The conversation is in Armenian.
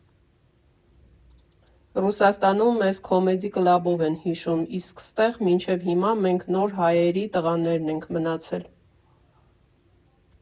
Ռուսաստանում մեզ «Քոմեդի քլաբով» են հիշում, իսկ ստեղ մինչև հիմա մենք «Նոր Հայերի» տղաներն ենք մնացել։